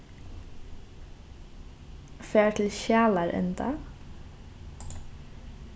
far til skjalarenda